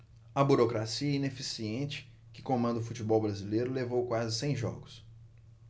a burocracia ineficiente que comanda o futebol brasileiro levou quase cem jogos